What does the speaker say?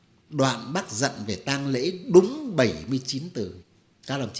đoạn bác dặn về tang lễ đúng bảy mươi chín từ các đồng chí